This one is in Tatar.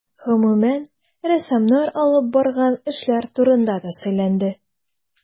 Гомүмән, рәссамнар алып барган эшләр турында да сөйләнде.